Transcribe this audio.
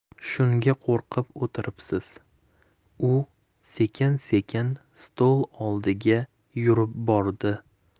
shunga qo'rqib o'tiribsiz u sekin sekin stol oldiga yurib bordi